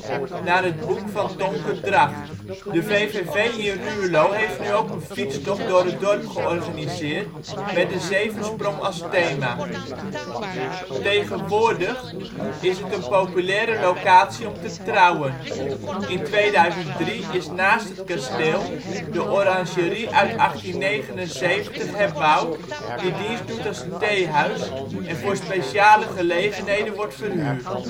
naar het boek van Tonke Dragt. De VVV in Ruurlo heeft nu ook een fietstocht door het dorp georganiseerd met " de Zevensprong " als thema. Tegenwoordig is het een populaire locatie om te trouwen. In 2003 is naast het kasteel de orangerie uit 1879 herbouwd die dienst doet als theehuis, en voor speciale gelegenheden wordt verhuurd